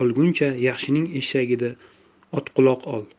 olguncha yaxshining eshagida otquloq ol